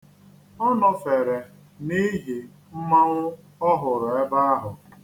Ọ nọfere n'ihi mmọnwụ ọ hụrụ ebe ahụ.